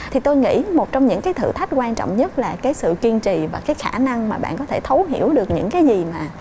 thì tôi nghĩ một trong những cái thử thách quan trọng nhất là cái sự kiên trì và các khả năng mà bạn có thể thấu hiểu được những cái gì mà